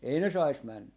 ei ne saisi mennä